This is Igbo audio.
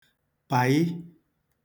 pàyị